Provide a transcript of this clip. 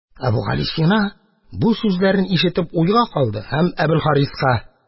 Әбүгалисина бу сүзләрне ишетеп уйга калды һәм Әбелхариска: